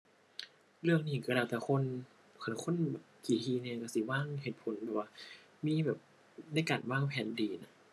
เรื่องนี้ก็แล้วแต่คน คันคนขี้ถี่แหน่ก็สิวางเหตุผลหรือว่ามีแบบในการวางแผนดีน่ะ